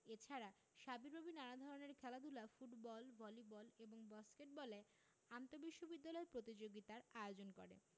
এছাড়া সাবিপ্রবি নানা ধরনের খেলাধুলা ফুটবল ভলিবল এবং বাস্কেটবলে আন্তঃবিশ্ববিদ্যালয় প্রতিযোগিতার আয়োজন করে